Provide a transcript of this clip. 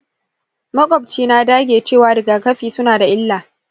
makwabci na dage cewa rigakafi suna da illa.